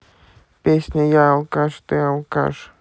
песня я алкаш ты алкаш